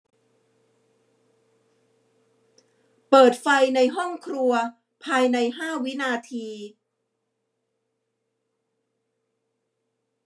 เปิดไฟในห้องครัวภายในห้าวินาที